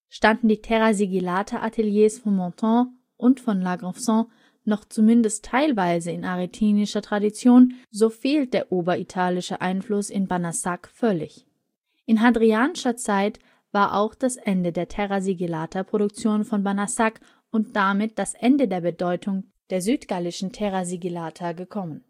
Standen die TS-Ateliers von Montans und von La Graufesenque noch zumindest teilweise in arretinischer Tradition, so fehlt der oberitalische Einfluss in Banassac völlig. In hadrianscher Zeit war auch das Ende der TS-Produktion von Banassac und damit das Ende der Bedeutung der südgallischen TS gekommen